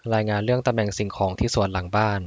รายงานเรื่องตำแหน่งสิ่งของที่สวนหลังบ้าน